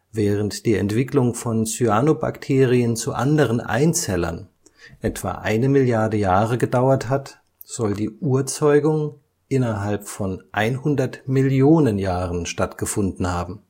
während die Entwicklung von Cyanobakterien zu anderen Einzellern etwa eine Milliarde Jahre gedauert hat, soll die Urzeugung innerhalb von hundert Millionen Jahren stattgefunden haben